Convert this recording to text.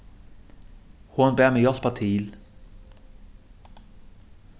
hon bað meg hjálpa til